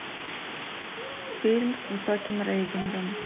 фильмы с самым высоким рейтингом